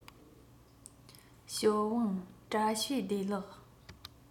ཞའོ ཝང བཀྲ ཤིས བདེ ལེགས